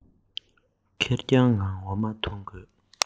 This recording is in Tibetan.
ཁེར རྐྱང ངང འོ མ འཐུང དགོས